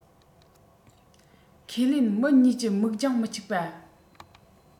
ཁས ལེན མི གཉིས ཀྱི མིག རྒྱང མི གཅིག པ